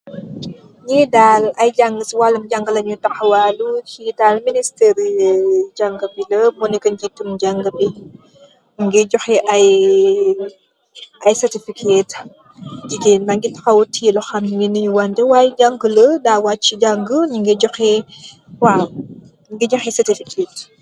Ñii daal si waalu jaangë la ñuy taxawaalu. Fii daal ministeri jaangë bi la, bi jiite ñjangë mila. Ñu ngee joxee ay satificëët. Jigeen a ngi taxaw tiyee loxom, waay jañgë lë, da wasji jàngë, ñu ngee, waaw, ñungee joxee satificëët daal.